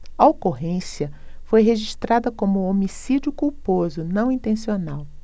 a ocorrência foi registrada como homicídio culposo não intencional